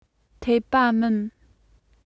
འཐད པ མིན